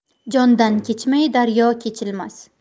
jondan kechmay daryo kechilmas